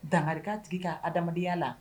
Danri tigi ka adamadenya la